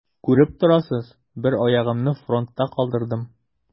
Күреп торасыз: бер аягымны фронтта калдырдым.